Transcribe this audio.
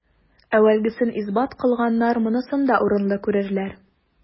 Әүвәлгесен исбат кылганнар монысын да урынлы күрерләр.